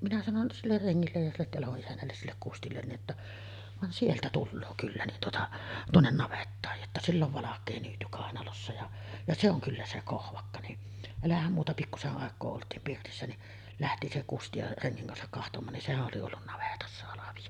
minä sanoin sille rengille ja sille talon isännällesi sille Kustille niin että vaan sieltä tulee kyllä niin tuota tuonne navettaan jotta sillä on valkea nyyty kainalossa ja ja se on kyllä se Kohvakka niin älähän muuta pikkuisen aikaa oltiin pirtissä niin lähti se Kusti ja rengin kanssa katsomaan niin sehän oli ollut navetassa halvio